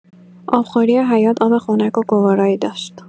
آبخوری حیاط آب خنک و گوارایی داشت.